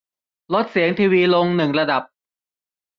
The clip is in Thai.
ลดเสียงทีวีลงหนึ่งระดับ